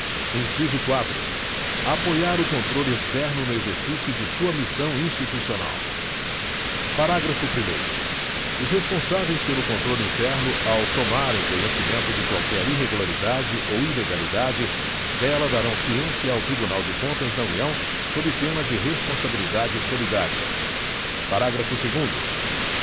inciso quatro apoiar o controle externo no exercício de sua missão institucional parágrafo primeiro os responsáveis pelo controle interno ao tomarem conhecimento de qualquer irregularidade ou ilegalidade dela darão ciência ao tribunal de contas da união sob pena de responsabilidade solidária parágrafo segundo